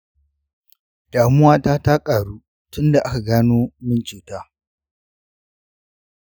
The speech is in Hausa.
damuwa ta ta ƙaru tun da aka gano min cuta.